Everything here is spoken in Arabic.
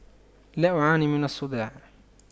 لا أعاني من الصداع